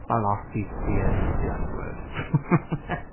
Alas, beep being the 'F' word.